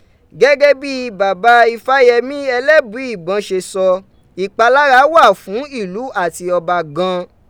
Gẹgẹ bi baba Ifayẹmi ẹlẹbuibọn ṣe sọ, ipalara wa fun ilu ati Ọba gan.